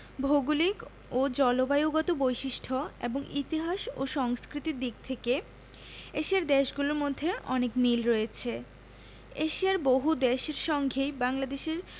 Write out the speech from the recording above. ভৌগলিক ও জলবায়ুগত বৈশিষ্ট্য এবং ইতিহাস ও সংস্কৃতির দিক থেকে এশিয়ার দেশগুলোর মধ্যে অনেক মিল রয়েছেএশিয়ার বহুদেশের সঙ্গেই বাংলাদেশের